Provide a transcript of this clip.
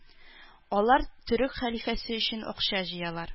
Алар төрек хәлифәсе өчен акча җыялар